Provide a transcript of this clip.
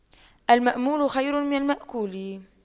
المأمول خير من المأكول